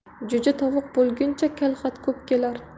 jo'ja tovuq bo'lguncha kalxat ko'p kelar